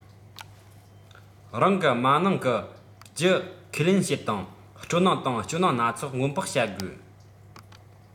རང གི མ ནིང གི རྒྱུ ཁས ལེན བྱེད དང སྤྲོ སྣང དང སྐྱོ སྣང སྣ ཚོགས སྔོན དཔག བྱ དགོས